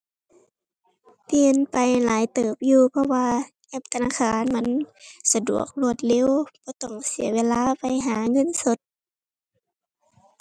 เปลี่ยนไปหลายเติบอยู่ เพราะว่าแอปธนาคารมันสะดวกรวดเร็ว บ่ต้องเสียเวลาไปหาเงินสด